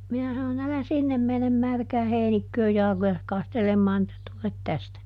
minä sanoin älä sinne mene märkään heinikköön jalkojasi kastelemaan että tule tästä